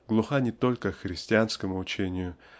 глуха не только к христианскому учению